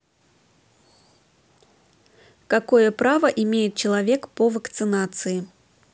какое право имеет человек по вакцинации